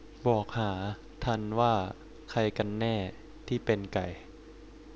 บอกหาทันว่าใครกันแน่ที่เป็นไก่